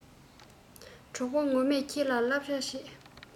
གྲོགས པོ ངོ མས ཁྱེད ལ སླབ བྱ བྱེད